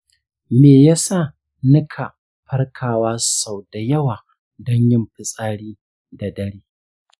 me yasa nika farkawa sau da yawa don yin fitsari da dare?